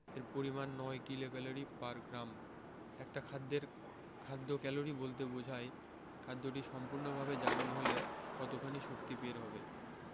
এর পরিমান ৯ kilocalorie per gram একটা খাদ্যের খাদ্য ক্যালোরি বলতে বোঝায় খাদ্যটি সম্পূর্ণভাবে জারণ হলে কতখানি শক্তি বের হবে